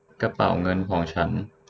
กระเป๋าเงินของฉัน